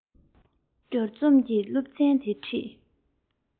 བསྒྱུར རྩོམ གྱི སློབ ཚན དེ ཁྲིད